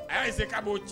A y'ase k' b'o cɛ